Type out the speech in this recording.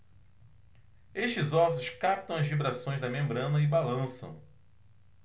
estes ossos captam as vibrações da membrana e balançam